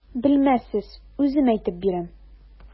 Белмәссез, үзем әйтеп бирәм.